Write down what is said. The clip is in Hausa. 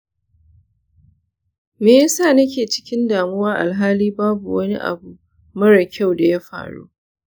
me ya sa nake cikin damuwa alhali babu wani abu mara kyau da ya faru?